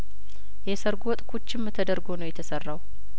የሰርጉ ወጥ ኩችም ተደርጐ ነው የተሰራው